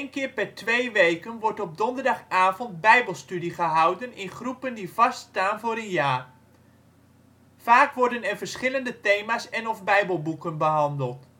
keer per twee weken wordt op donderdagavond Bijbelstudie gehouden in groepen die vaststaan voor een jaar. Vaak worden er verschillende thema’ s en/of bijbelboeken behandeld